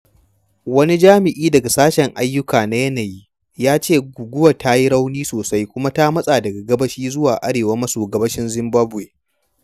Wani jami'i daga Sashen Ayyuka na Yanayi ya ce guguwar ta yi rauni sosai kuma ta matsa daga gabashi zuwa arewa maso gabashin Zimbabwe.